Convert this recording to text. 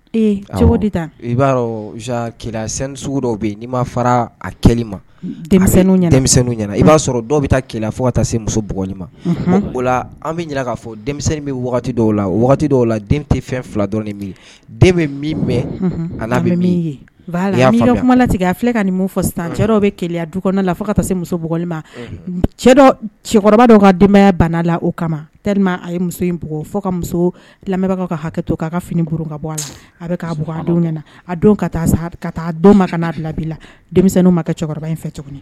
I b'a sugu dɔ bɛ yen n'i ma fara a ke ma dɛw ɲɛna i b'a sɔrɔ dɔw bɛ taa fo ka muso bug ma ola an bɛ k'a fɔ dɛ bɛ dɔw la dɔw la den tɛ fɛn fila dɔ min den bɛ min bɛ a' bɛ min yeumanatigɛ a filɛ ka nin min fɔ san cɛ dɔw bɛ keya du kɔnɔ la fo ka muso b ma cɛ cɛkɔrɔba dɔw ka denbayaya bana la o kama teri a ye muso in fo ka muso lamɛnbagaw ka hakɛ to k'a ka fini b bɔ a la a bɔ a ka taa sa ka taa ma ka'a la dɛw ma kɛ cɛkɔrɔba in fɛ cogo